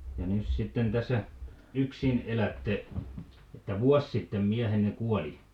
ja nyt sitten tässä yksin elätte että vuosi sitten miehenne kuoli